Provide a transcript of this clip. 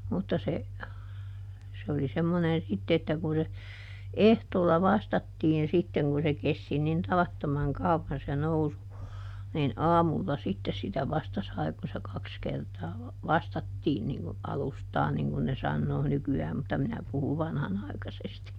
mutta se se oli semmoinen sitten että kun se ehtoolla vastattiin sitten kun se kesti niin tavattoman kauan se nousu niin aamulla sitten sitä vasta sai kun se kaksi kertaa vastattiin niin kuin alustaa niin kuin ne sanoo nykyään mutta minä puhun vanhanaikaisesti